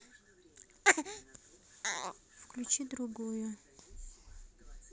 включи другую